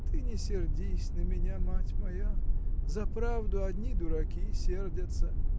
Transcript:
Ты не сердись на меня, мать моя; за правду одни дураки сердятся.